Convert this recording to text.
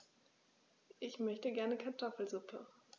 Ich möchte gerne Kartoffelsuppe.